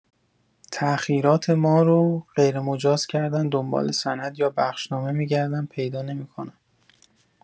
تاخیرات ما رو غیرمجاز کردن دنبال سند یا بخشنامه می‌گردم پیدا نمی‌کنم.